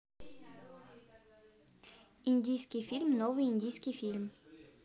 индийский фильм новый индийский фильм